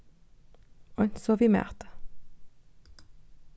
eins og við mati